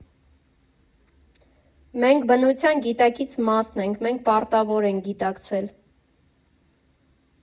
Մենք բնության գիտակից մասն ենք, մենք պարտավոր ենք գիտակցել։